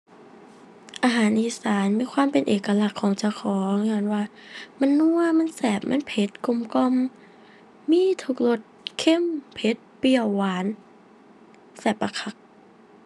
อาหารอีสานมีความเป็นเอกลักษณ์ของเจ้าของ ญ้อนว่ามันนัว มันแซ่บ มันเผ็ด กลมกล่อม มีทุกรส เค็ม เผ็ด เปรี้ยว หวาน แซ่บบักคัก